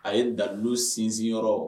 A ye dalu sinsin yɔrɔ